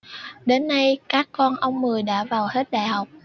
đến nay các con ông mười đã vào hết đại học